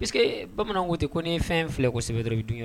Que bamananw ten ko ni fɛn filɛ kɔ kosɛbɛ dɔrɔn i dun yɔrɔ